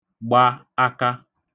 gba aka